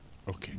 ok